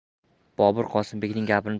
bobur qosimbekning gapini